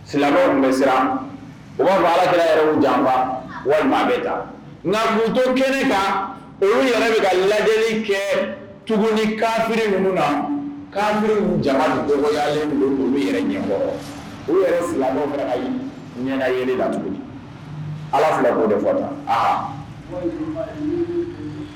Silamɛw bɛ siran u b'a ala kɛra yɛrɛ janba walima bɛ taa nkakunto kelen kan u yɛrɛ bɛ ka lajɛ kɛ ni kari ninnu narilen yɛrɛ ɲɛmɔgɔ u silamɛga la tuguni ala filao de fɔlɔ la